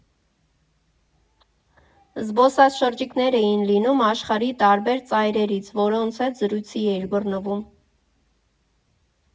Զբոսաշրջիկներ էին լինում աշխարհի տարբեր ծայրերից, որոնց հետ զրույցի էիր բռնվում։